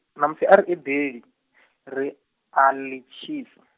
ṋamusi ari edeḽi, ri, ali tshisa.